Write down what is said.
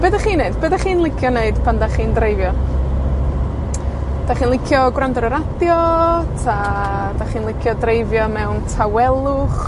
Be' 'dach chi'n neud? Be' 'dach chi'n licio neud pan 'dach chi'n dreifio? 'Dach chi licio gwrando'r ar y radio> 'Ta 'dach chi'n licio dreifio mewn tawelwch?